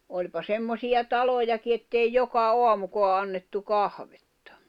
olipa semmoisia talojakin että ei joka aamukaan annettu kahvia